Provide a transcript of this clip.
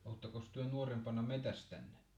olettekos te nuorempana metsästänyt